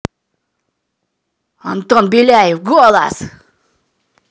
антон беляев голос